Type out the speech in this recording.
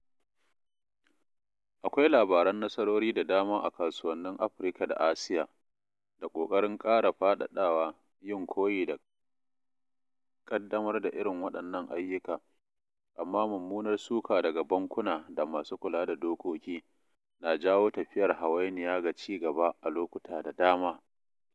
Akwai labaran nasarori da dama a kasuwannin Afirka da Asiya, da ƙoƙarin ƙara faɗaɗawa, yin koyi ko ƙaddamar da irin waɗannan ayyuka, amma mummunar suka daga bankuna da masu kula da dokoki, na jawo tafiyar hawainiya ga ci gaba a lokuta da dama.